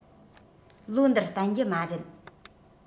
ལོ འདིར བརྟན རྒྱུ མ རེད